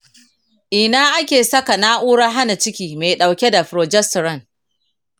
ina ake saka na’urar hana ciki mai ɗauke da progesterone?